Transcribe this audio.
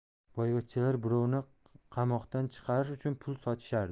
boyvachchalar birovni qamoqdan chiqarish uchun pul sochishardi